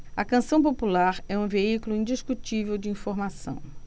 a canção popular é um veículo indiscutível de informação